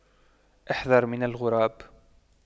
أحذر من غراب